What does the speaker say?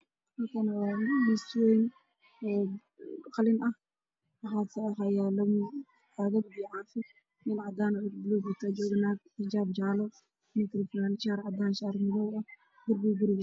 Waa miis weyn qalin ah iyo biyo caafi